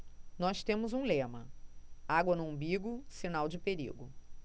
nós temos um lema água no umbigo sinal de perigo